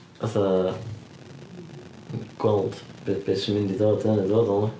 Fatha gweld be sy'n mynd i ddod fyny yn y dyfodol.